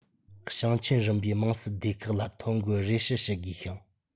ཞིང ཆེན རིམ པའི དམངས སྲིད སྡེ ཁག ལ ཐོ འགོད རེ ཞུ བྱེད དགོས ཤིང